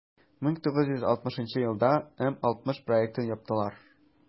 1960 елда м-60 проектын яптылар.